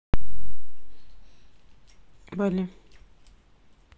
bully